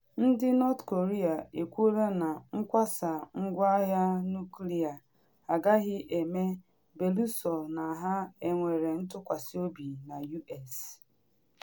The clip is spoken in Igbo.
Ndị North Korea ekwuola na nkwasa ngwa agha nuklịa agaghị eme belụsọ na ha enwere ntụkwasị obi na US